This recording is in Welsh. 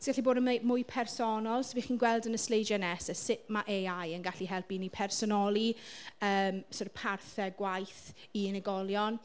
Sy'n gallu bod yn mwy mwy personol. So be chi'n gweld yn y sleidiau nesa sut ma' AI yn gallu helpu ni personoli yym sort of parthau gwaith i unigolion.